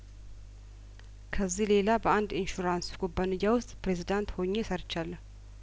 ከዚህ ሌላ በአንድ ኢንሹራንስ ኩባንያ ውስጥ ፕሬዚዳንት ሆኜ ሰርቻለሁ